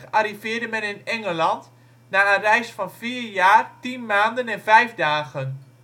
arriveerde men in Engeland na een reis van vier jaar, tien maanden en vijf dagen